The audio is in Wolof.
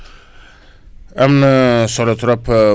am na solo trop :fa